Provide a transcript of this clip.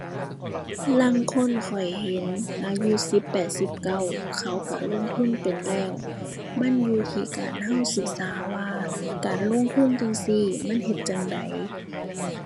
ลางคนข้อยเห็นอายุสิบแปดสิบเก้าเขาก็ลงทุนเป็นแล้วมันอยู่ที่การก็ศึกษาว่าการลงทุนจั่งซี้มันเฮ็ดจั่งใด